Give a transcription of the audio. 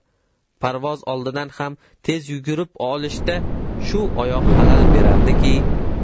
parvoz oldidan ham tez yugurib olishda shu oyoq xalal berardiki